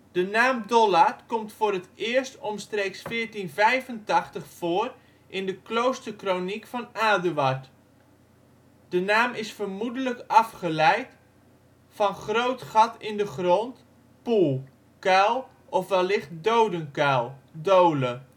De naam Dollard komt voor het eerst omstreeks 1485 voor in de kloosterkroniek van Aduard. Deze naam is vermoedelijk afgeleid van ' groot gat in de grond, poel ', ‘kuil’ of wellicht ‘dodenkuil’ (dole